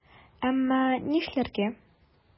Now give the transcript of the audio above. Әмма нишләргә?!